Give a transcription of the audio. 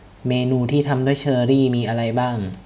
เมนูที่ทำด้วยเชอร์รี่มีอะไรบ้าง